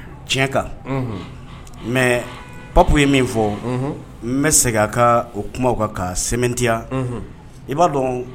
Tiɲɛ mɛ pa ye min fɔ n bɛ segin ka o kuma kan ka sɛmɛtiya i b'a dɔn